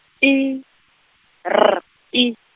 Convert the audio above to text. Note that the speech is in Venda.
I, R I.